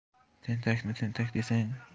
tentakni tentak desang